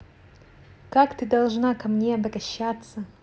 как ты должна ко мне обращаться